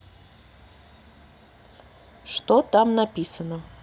что там написано